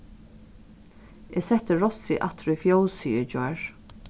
eg setti rossið aftur í fjósið í gjár